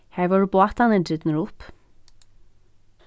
her vórðu bátarnir drignir upp